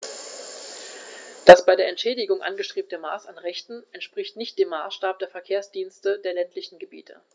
Das bei der Entschädigung angestrebte Maß an Rechten entspricht nicht dem Maßstab der Verkehrsdienste der ländlichen Gebiete.